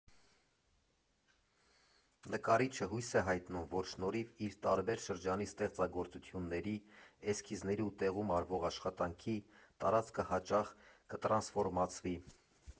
Նկարիչը հույս է հայտնում, որ շնորհիվ իր տարբեր շրջանի ստեղծագործությունների, էսքիզների ու տեղում արվող աշխատանքի՝ տարածքը հաճախ կտրանսֆորմացվի։